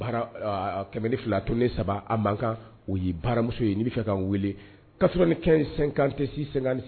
Kɛmɛ ni fila to ne saba a man kan u ye baramuso ye fɛ ka weele kasɔrɔ ni san kante se